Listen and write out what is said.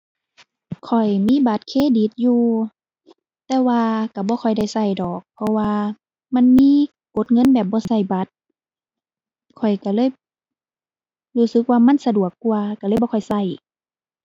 ข้อยมีบัตรเครดิตอยู่ แต่ว่าก็บ่ค่อยได้ก็ดอก เพราะว่า มันมีกดเงินแบบบ่ก็บัตร ข้อยก็เลยรู้สึกมันสะดวกกว่า ก็เลยบ่ค่อยก็